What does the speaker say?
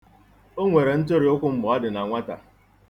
O nwere ntụrịụkwụ mgbe ọ dị na nwata.